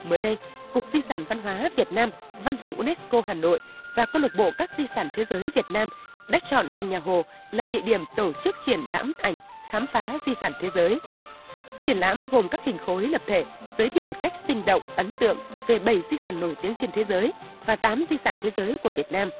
mới đây cục di sản văn hóa việt nam văn phòng u nét cô hà nội và câu lạc bộ các di sản thế giới việt nam đã chọn thành nhà hồ là địa điểm tổ chức triển lãm ảnh khám phá di sản thế giới triển lãm gồm các hình khối lập thể giới thiệu một cách sinh động ấn tượng về bảy di sản nổi tiếng trên thế giới và tám di sản thế giới của việt nam